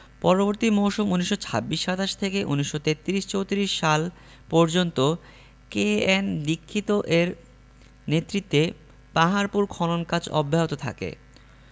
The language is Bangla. পরবর্তী মৌসুম ১৯২৬ ২৭ থেকে ১৯৩৩ ৩৪ সাল পর্যন্ত কে.এন দীক্ষিত এর নেতৃত্বে পাহাড়পুর খনন কাজ অব্যাহত থাকে